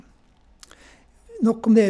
Nok om det.